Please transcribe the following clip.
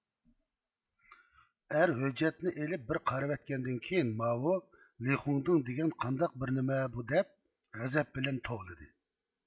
ئەر ھۆججەتنى ئېلىپ بىر قارىۋەتكەندىن كېيىن ماۋۇلىخېڭدوڭ دېگەن قانداق بىر نېمە بۇ دەپ غەزەپ بىلەن توۋلىدى